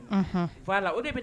Un faa la o de